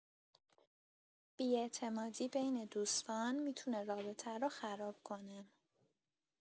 بی‌اعتمادی بین دوستان می‌تونه رابطه رو خراب کنه.